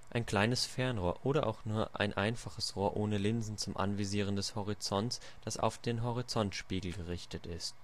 ein kleines Fernrohr oder auch nur ein einfaches Rohr ohne Linsen zum Anvisieren des Horizonts, das auf den Horizontspiegel gerichtet ist